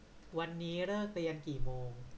วันนี้เลิกเรียนกี่โมง